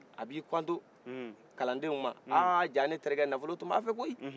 a b'i kan to kalandenw ma ah jan ne terikɛ nafolo tun b'a fɛ koyi